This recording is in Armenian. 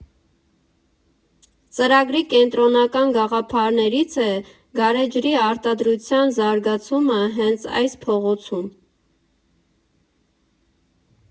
Ծրագրի կենտրոնական գաղափարներից է գարեջրի արտադրության զարգացումը հենց այս փողոցում։